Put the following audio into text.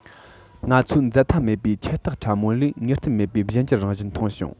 ང ཚོས འཛད མཐའ མེད པའི ཁྱད རྟགས ཕྲ མོ ལས ངེས གཏན མེད པའི གཞན འགྱུར རང བཞིན མཐོང ཞིང